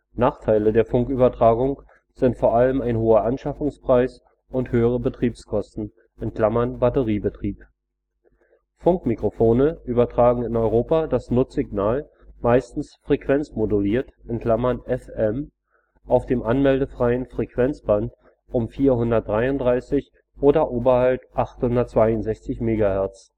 Nachteile der Funkübertragung sind vor allem ein hoher Anschaffungspreis und höhere Betriebskosten (Batteriebetrieb). Funkmikrofone übertragen in Europa das Nutzsignal meistens frequenzmoduliert (FM) auf dem anmeldefreien Frequenzband um 433 oder oberhalb 862 MHz